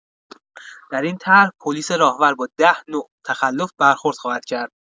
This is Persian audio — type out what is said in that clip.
در این طرح، پلیس راهور با ۱۰ نوع تخلف برخورد خواهد کرد.